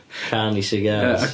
Carnie cigars.